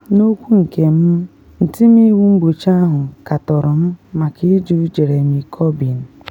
N’okwu nke m, ntimiwu mgbochi ahụ katọrọ m maka ịjụ Jeremy Corbyn.